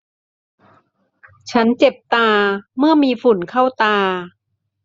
ฉันเจ็บตาเมื่อมีฝุ่นเข้าตา